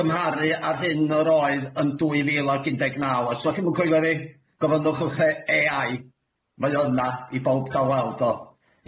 gymharu a'r hyn yr oedd yn dwy fil ag un deg naw a so chi'm yn coelio fi gofynnwchwch e- Ay Eye mae o yna i bobl ca'l weld o.